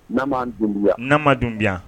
Nama dun biyan